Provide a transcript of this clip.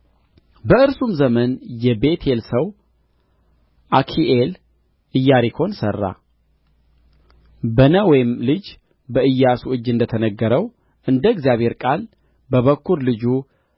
በእርሱም ዘመን የቤቴል ሰው አኪኤል ኢያሪኮን ሠራ በነዌም ልጅ በኢያሱ እጅ እንደ ተነገረው እንደ እግዚአብሔር ቃል በበኵር ልጅ